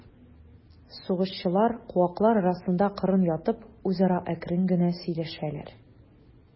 Сугышчылар, куаклар арасында кырын ятып, үзара әкрен генә сөйләшәләр.